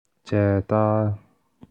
Cheta?